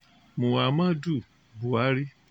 Muhammadu Buhari